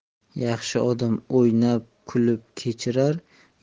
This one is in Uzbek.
yaxshi odam o'ynab kuhb kecbirar